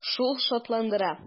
Шул шатландыра.